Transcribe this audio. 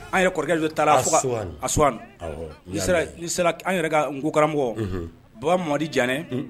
An yɛrɛ kɔrɔkɛ don taara a a an yɛrɛ ka ko karamɔgɔ baba mɔdi jan